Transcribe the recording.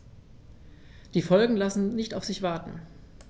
Die Folgen lassen nicht auf sich warten.